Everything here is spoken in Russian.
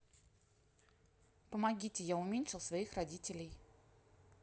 помогите я уменьшил своих родителей